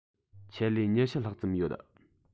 ཆེད ལས ༢༠ ལྷག ཙམ ཡོད